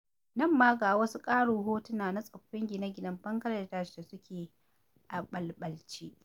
Nan ma ga wasu ƙarin hotuna na tsofaffin gine-ginen Bangaladesh da suke a ɓalɓalce: